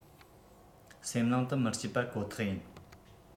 སེམས ནང དུ མི སྐྱིད པ ཁོ ཐག ཡིན